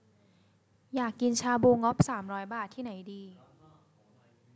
อยากกินชาบูงบสามร้อยบาทที่ไหนดี